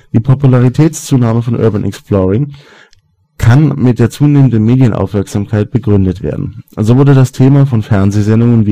Popularitätszunahme von Urban Exploring kann mit der zunehmenden Medienaufmerksamkeit begründet werden. So wurde das Thema von Fernsehsendungen